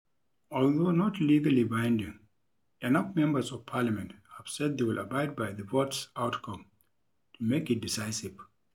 Although not legally binding, enough members of parliament have said they will abide by the vote's outcome to make it decisive.